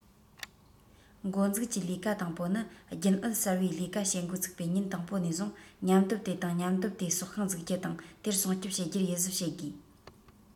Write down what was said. འགོ འཛུགས ཀྱི ལས ཀ དང པོ ནི རྒྱུན ཨུད གསར པས ལས ཀ བྱེད འགོ བཙུགས པའི ཉིན དང པོ ནས བཟུང མཉམ སྡེབ དེ དང མཉམ སྡེབ དེའི སྲོག ཤིང འཛུགས རྒྱུ དང དེར སྲུང སྐྱོང བྱེད རྒྱུར ཡིད གཟབ བྱེད དགོས